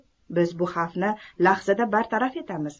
biz bu xavfni lahzada bartaraf etamiz